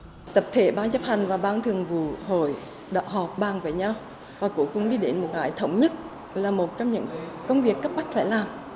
tập thể ban chấp hành và ban thường vụ hội đã họp bàn với nhau và cuối cùng đi đến một cái thống nhất là một trong những công việc cấp bách phải làm